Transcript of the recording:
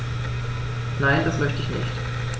Nein, das möchte ich nicht.